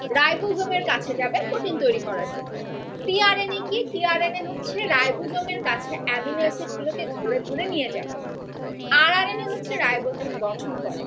ribosome এর কাছে যাবে প্রোটিন তৈরি করার জন্য টি আর এন এ কি টি আর এন এ হচ্ছে রাইবোজোম এর কাছে অ্যামিনো এসিড গুলোকে ধরে ধরে নিয়ে যায় আর আর এন এ হচ্ছে রাইবোজোম গঠন করে